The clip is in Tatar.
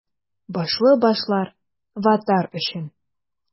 Башлы башлар — ватар өчен!